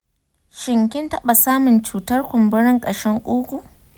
shin kin taɓa samun cutar kumburin ƙashin ƙugu?